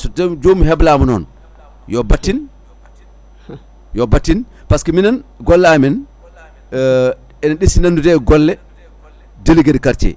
so so joomum heblama noon yo battin yo battin par ce que minen gollamen ene ɗeesi nandude golle délégué de quartier